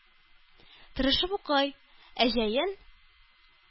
Тырышып укый. Ә җәен